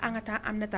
An ka taa an bɛ taa